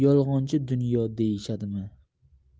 dunyoni yolg'onchi dunyo deyishadimi